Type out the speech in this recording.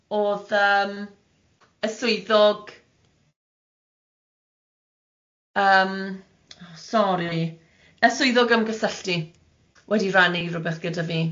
O'dd yym y swyddog yym o sori y swyddog ymgysylltu wedi rhannu rwbeth gyda fi.